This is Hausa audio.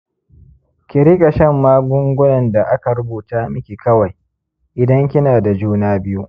ki riƙa shan magungunan da aka rubuta miki kawai idan kina da juna biyu.